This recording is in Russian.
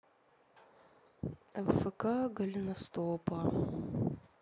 лфк голеностопа